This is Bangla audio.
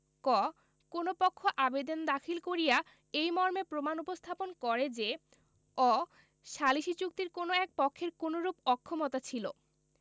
ক কোন পক্ষ আবেদন দাখিল করিয়া এই মর্মে প্রমাণ উপস্থাপন করে যে অ সালিসী চুক্তির কোন এক পক্ষের কোনরূপ অক্ষমতা ছিল